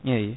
eyyi